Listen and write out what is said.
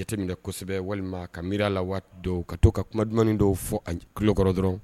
Jatetɛminɛ kosɛbɛ walima ka miiri la waati ka to ka kumadmani dɔw fɔ a kukɔrɔ dɔrɔn